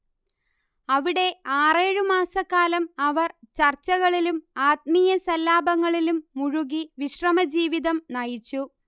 അവിടെ ആറേഴു മാസക്കാലം അവർ ചർച്ചകളിലും ആത്മീയസല്ലാപങ്ങളിലും മുഴുകി വിശ്രമജീവിതം നയിച്ചു